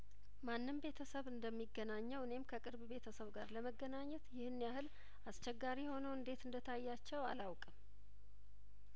ማንም ቤተሰብ እንደሚገናኘው እኔም ከቅርብ ቤተሰብ ጋር ለመገናኘት ይህን ያህል አስቸጋሪ ሆኖ እንዴት እንደታያቸው አላውቅም